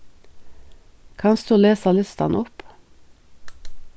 kanst tú lesa listan upp